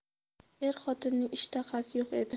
er xotinning ishtahasi yo'q edi